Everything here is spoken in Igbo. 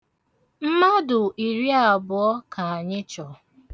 Mmadụ iriabụọ ka anyị chọ.